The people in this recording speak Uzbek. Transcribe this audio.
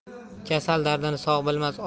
kasal dardini sog' bilmas